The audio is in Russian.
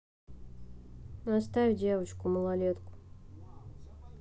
оставь девчонку малолетку